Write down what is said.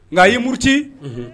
Ŋa a yi muruti unhun